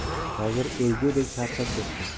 hozir o'lgudek charchab ketdim